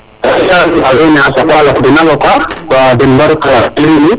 ka saqa a loq dena loqa to den mbaru wiin we